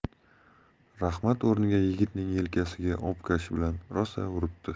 rahmat o'rniga yigitning yelkasiga obkash bilan rosa uribdi